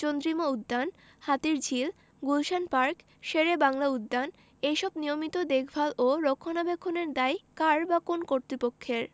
চন্দ্রিমা উদ্যান হাতিরঝিল গুলশান পার্ক শেরেবাংলা উদ্যান এসব নিয়মিত দেখভাল ও রক্ষণাবেক্ষণের দায় কার বা কোন্ কর্তৃপক্ষের